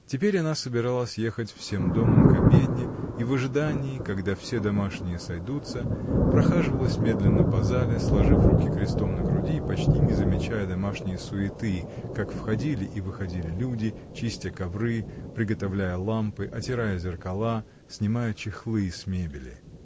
Теперь она собиралась ехать всем домом к обедне, и в ожидании, когда все домашние сойдутся, прохаживалась медленно по зале, сложив руки крестом на груди и почти не замечая домашней суеты, как входили и выходили люди, чистя ковры, приготовляя лампы, отирая зеркала, снимая чехлы с мебели.